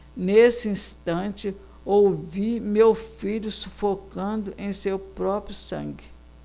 nesse instante ouvi meu filho sufocando em seu próprio sangue